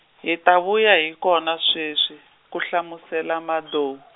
hi ta vuya hi kona sweswi, ku hlamusela Madou.